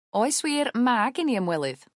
Oes wir ma' gin i ymwelydd.